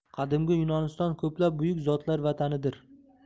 qadimgi yunoniston ko'plab buyuk zotlar vatanidir